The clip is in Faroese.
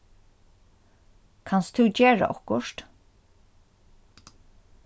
kanst tú gera okkurt